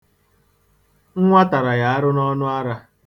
Nnwa tara ya arụ n'ọnụara.